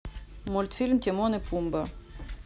мультфильм тимон и пумба